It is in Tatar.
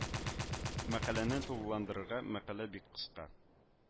Мәкаләне тулыландырырга мәкалә бик кыска